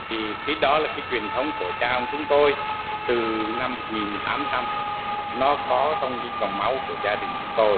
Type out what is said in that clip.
thì cái đó là cái truyền thống của cha ông chúng tôi từ năm một nghìn tám trăm nó có trong những dòng máu của gia đình chúng tôi